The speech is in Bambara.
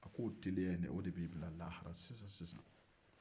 a k'o teliya in dɛɛ o de b'e bila lahara sisan-sisan